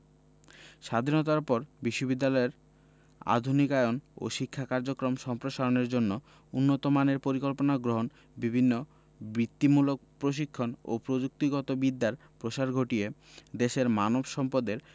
স্বাধীনতার পর বিশ্ববিদ্যালয়ের আধুনিকায়ন ও শিক্ষা কার্যক্রম সম্প্রসারণের জন্য উন্নতমানের পরিকল্পনা গ্রহণ বিভিন্ন বৃত্তিমূলক প্রশিক্ষণ ও প্রযুক্তিগত বিদ্যার প্রসার ঘটিয়ে দেশের মানব সম্পদের